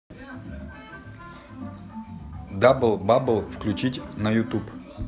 дабл бабл включить на ютуб